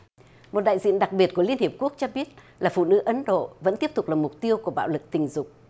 một đại diện đặc biệt của liên hiệp quốc cho biết là phụ nữ ấn độ vẫn tiếp tục là mục tiêu của bạo lực tình dục